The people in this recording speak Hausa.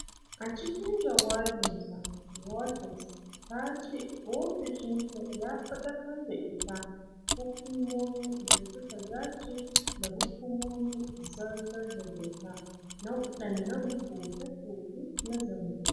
A cikin jawabinta, Waters ta ce ofishinta ya faɗakar da ita "hukumomi da suka dace da hukumomin zartar da doka na waɗannan koke-koke na zambo.